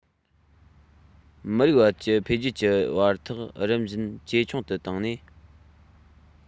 མི རིགས བར གྱི འཕེལ རྒྱས ཀྱི བར ཐག རིམ བཞིན ཇེ ཆུང དུ བཏང ནས